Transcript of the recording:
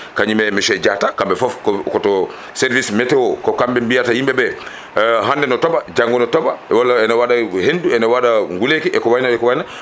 kañum e monsieur Diatta kamɓe foof koto service météo ko kamɓe mbiyata yimɓeɓe hande ne tooɓa janggo ne tooɓa walla ene waɗa hendu ena waɗa nguleyki eko way noon eko way noon